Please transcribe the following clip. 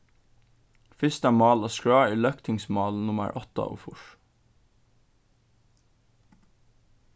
fyrsta mál á skrá er løgtingsmál nummar áttaogfýrs